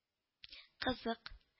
—кызык